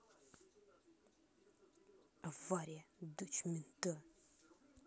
авария дочь мента